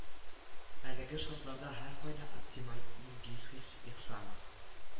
Әлеге шартларда һәркайда оптималь илгиз ихсанов